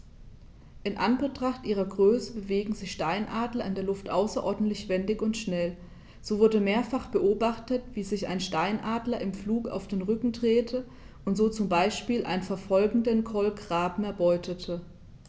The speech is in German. In Anbetracht ihrer Größe bewegen sich Steinadler in der Luft außerordentlich wendig und schnell, so wurde mehrfach beobachtet, wie sich ein Steinadler im Flug auf den Rücken drehte und so zum Beispiel einen verfolgenden Kolkraben erbeutete.